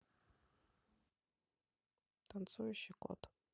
танцующий кот